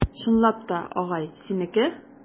Чынлап та, агай, синеке?